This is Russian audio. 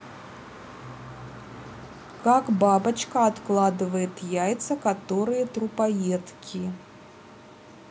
как бабочка откладывает яйца которые трупоедки